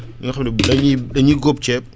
ñi nga xam ne dañuy dañuy góob ceeb